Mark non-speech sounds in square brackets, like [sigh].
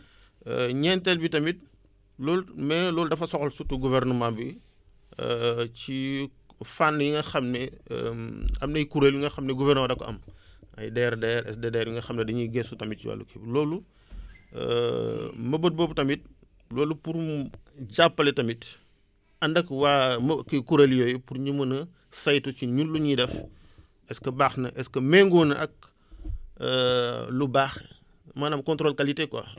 [breath] ñeenteel bi tamit loolu mais nag loolu dafa soxla surtout gouvernement bi [hesitation] ci fànn yi nga xam ne [hesitation] am nay kuréel yi nga xam ne gouvernement dakoo am [breath] ay DRDR SDDR ñu nga xam ne dañuy gëstu tamit ci wàllu kii bi loolu [breath] [hesitation] mëbët boobu tamit loolu pour mu sappali tamit ànd ak waa mu kii kuréel yooyu pour ñu mën a saytu ci ñun lu ñuy def [noise] est ce baax na est ce que méngoo na ak [hesitation] lu baax maanaam contrôle qualité quoi